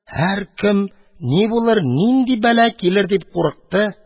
Һәркем «ни булыр, нинди бәла килер?» дип курыкты